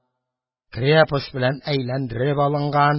Крепость белән әйләндереп алынган,